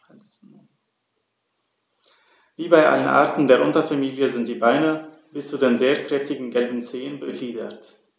Wie bei allen Arten der Unterfamilie sind die Beine bis zu den sehr kräftigen gelben Zehen befiedert.